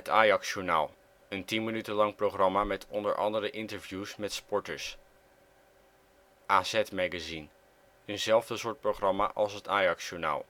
Ajax-journaal (een 10 minuten lang programma met onder andere interviews met sporters) AZ-magazine (een zelfde soort programma als het Ajaxjournaal) De